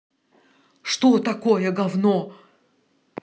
что такое гавно